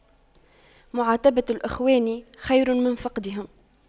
معاتبة الإخوان خير من فقدهم